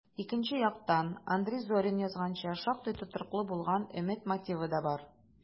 Икенче яктан, Андрей Зорин язганча, шактый тотрыклы булган өмет мотивы да бар: